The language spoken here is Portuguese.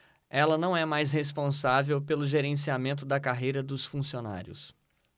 ela não é mais responsável pelo gerenciamento da carreira dos funcionários